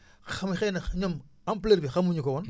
xama xëy na ñoom ampleur bi xamuñu ko woon